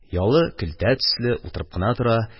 Ялы – көлтә төсле, утырып кына тора.